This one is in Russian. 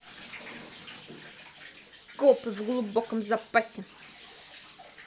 копы в глубоком запасе